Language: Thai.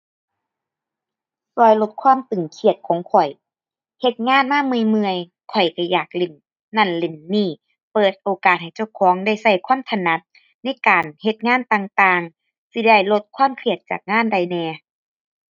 ช่วยลดความตึงเครียดของข้อย เฮ็ดงานมาเมื่อยเมื่อยข้อยช่วยอยากเล่นนั่นเล่นนี่ เปิดโอกาสให้เจ้าของได้ช่วยความถนัดในการเฮ็ดงานต่างต่าง สิได้ลดความเครียดจากงานได้แหน่